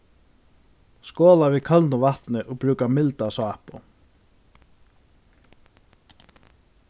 skola við køldum vatni og brúka milda sápu